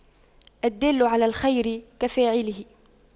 الدال على الخير كفاعله